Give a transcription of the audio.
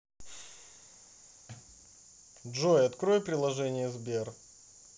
джой открой приложение сбер